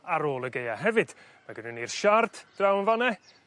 ar ôl y gaea hefyd ma' gennon ni'r siard draw yn fan 'na